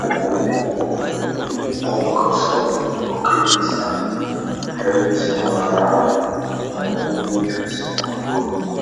Hal matarafoon oo kelidiisa ah xeradiisana laalaaban, matrafoonka midabkiisa waa madow.